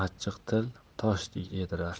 achchiq til tosh yedirar